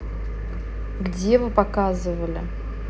где вы показывали